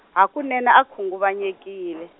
hakunene a khunguvanyekile.